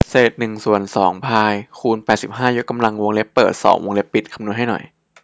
เศษหนึ่งส่วนสองพายคูณแปดสิบห้ายกกำลังวงเล็บเปิดสองวงเล็บปิดคำนวณให้หน่อย